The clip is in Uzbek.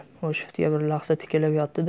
u shiftga bir lahza tikilib yotdi da